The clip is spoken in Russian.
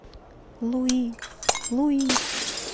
луи луи